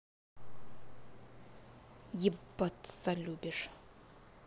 ебаться любишь